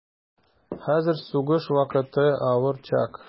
Хәзер сугыш вакыты, авыр чак.